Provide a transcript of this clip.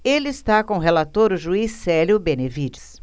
ele está com o relator o juiz célio benevides